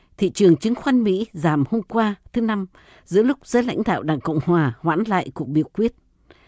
thị trường chứng khoán mỹ giảm hôm qua thứ năm giữa lúc giới lãnh đạo đảng cộng hòa hoãn lại cuộc biểu quyết